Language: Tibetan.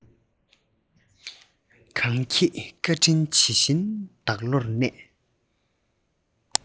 གང ཁྱེད བཀའ དྲིན ཇི སྲིད བདག བློར གནས